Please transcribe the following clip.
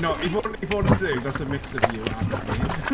Na i fod i fod yn deg, that's a mix of you and me.